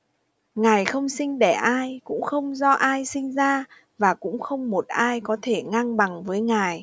ngài không sinh đẻ ai cũng không do ai sinh ra và cũng không một ai có thể ngang bằng với ngài